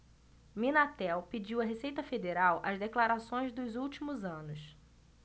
minatel pediu à receita federal as declarações dos últimos anos